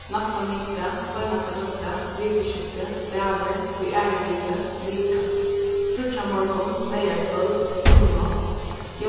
næsta mikudag seinasta hósdag vikuskifti dagur í aðru viku vika fríggjamorgun leygarkvøld sunnunátt